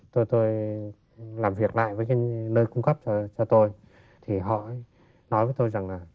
tôi tôi làm việc lại với cái nơi cung cấp cho cho tôi thì họ ý nói với tôi rằng là